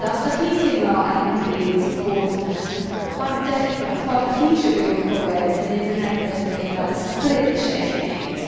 Os dach chi'n teimlo ar hyn o bryd bod eich chwantau chi, bod eich ffordd dach chi isie byw eich bywyd yn mynd yn erbyn be mae'r ysbryd eisie i chi wneud...